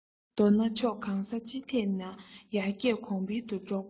མདོར ན ཕྱོགས གང ས ཅི ཐད ནས ཡར རྒྱས གོང འཕེལ དུ འགྲོ དགོས ན